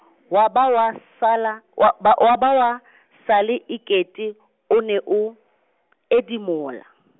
wa ba wa sala, wa ba wa ba wa , sale e kete, o ne o , edimola.